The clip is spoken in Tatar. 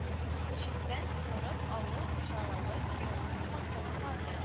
Читтән торып авыл хужалыгы техникумын тәмамладым